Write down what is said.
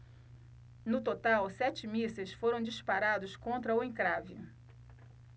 no total sete mísseis foram disparados contra o encrave